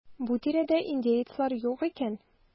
Бу тирәдә индеецлар юк икән.